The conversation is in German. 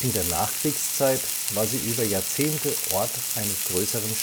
der Nachkriegszeit war sie über Jahrzehnte Ort eines größeren